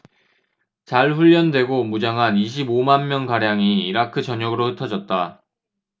잘 훈련되고 무장한 이십 오 만 명가량이 이라크 전역으로 흩어졌다